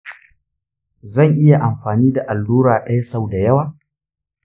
zan iya amfani da allura ɗaya sau dayawa?